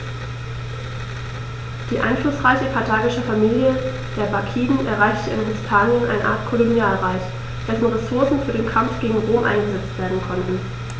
Die einflussreiche karthagische Familie der Barkiden errichtete in Hispanien eine Art Kolonialreich, dessen Ressourcen für den Kampf gegen Rom eingesetzt werden konnten.